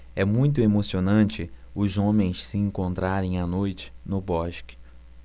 é muito emocionante os homens se encontrarem à noite no bosque